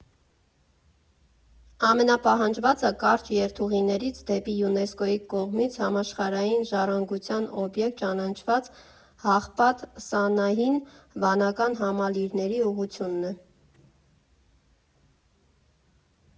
Ամենապահանջվածը կարճ երթուղիներից դեպի ՅՈՒՆԵՍԿՕ֊ի կողմից համաշխարհային ժառանգության օբյեկտ ճանաչված Հաղպատ֊Սանահին վանական համալիրներ ուղղությունն է։